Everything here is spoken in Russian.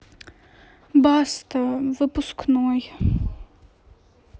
баста выпускной